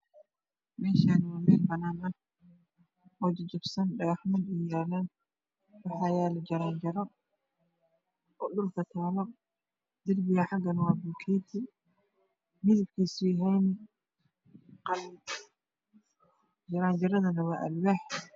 Meshanwaa melanin ah ojajabsan dhaxmanuyalan waxa yalo jaranjaro odhulkatalo derbiga xagana waabuliketi midibkisunayahay qalin qalin jaranjaradana waa Alwaax